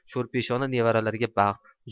sho'r peshona nevaralariga baxt